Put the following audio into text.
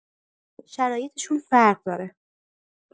شرایطشون فرق داره